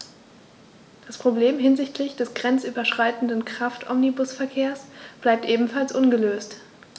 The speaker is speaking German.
Das Problem hinsichtlich des grenzüberschreitenden Kraftomnibusverkehrs bleibt ebenfalls ungelöst.